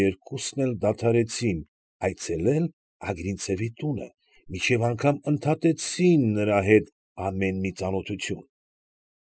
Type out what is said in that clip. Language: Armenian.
Երկուսն էլ դադարեցին այցելել Ագրինցևի տունը, մինչև անգամ ընդհատեցին նրա հետ ամեն մի ծանոթություն։